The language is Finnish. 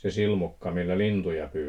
se silmukka millä lintuja -